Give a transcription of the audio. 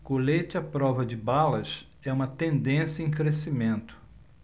colete à prova de balas é uma tendência em crescimento